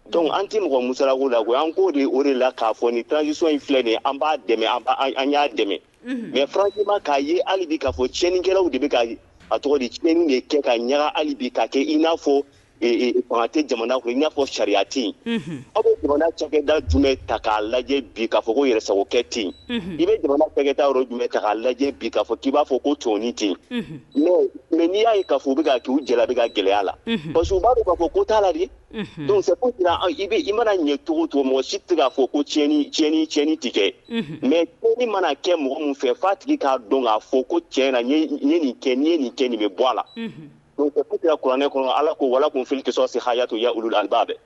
Dɔnku an tɛ mɔgɔ musosala la ko an k'o de o de la k'a fɔ nin tajso in filɛ nin an b'a dɛmɛ an y'a dɛmɛ mɛ faraji ma k'a ye hali bi ka fɔ tiɲɛninikɛlaww de bɛ a tɔgɔ di tiɲɛnini de kɛ ka ɲaga hali bi ka kɛ i na fɔ ktɛ jamana ko i n'a fɔ sariya ten aw ko k cakɛda jumɛn bɛ ta k'a lajɛ bi kaa fɔ ko yɛrɛsago kɛ ten i bɛ jamana tɛgɛkɛta yɔrɔ jumɛn k'a lajɛ bi k'a fɔ k'i b'a fɔ ko cɔni ten mɛ n'i y'a kaa fɔ bɛ k k' u jala bɛ ka gɛlɛya la parce b'a k'a fɔ ko' la i mana ɲɛ cogo cogomɔ si tɛ k'a fɔ ko cɛni tɛ kɛ mɛ ko mana kɛ mɔgɔ min fɛ fa tigi k'a don k'a fɔ ko cɛ na nin kɛ nin cɛ nin bɛ bɔ a la ko ku kuranɛ kɔnɔ ala ko walalan tun fili ki se haya to y olu la an'